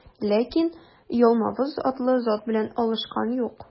Ләкин Ялмавыз атлы зат белән алышкан юк.